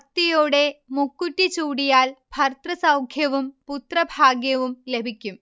ഭക്തിയോടെ മുക്കുറ്റി ചൂടിയാൽ ഭർതൃസൗഖ്യവും പുത്രഭാഗ്യവും ലഭിക്കും